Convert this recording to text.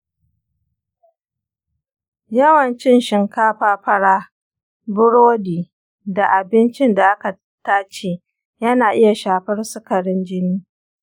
yawan cin shinkafa fara, burodi, da abincin da aka tace yana iya shafar sukarin jini.